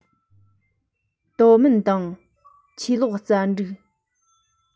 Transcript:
ཏའོ མིན དང ཆོས ལོག རྩ འཛུགས སྒྲིག འཛུགས བེད སྤྱོད དམ རྨོངས དད བེད སྤྱད ནས བུད མེད ལ ལོག པར གཡེམ པ དང